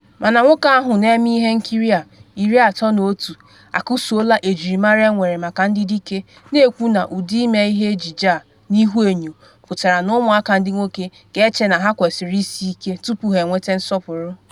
Mana nwoke ahụ na-eme ihe nkiri a, 31, akụsuola ejirimara enwere maka ndị dike, na-ekwu na ụdị ime ejije a n’ihuenyo pụtara na ụmụaka ndị nwoke ga-eche na ha kwesịrị isi ike tupu ha enweta nsọpụrụ.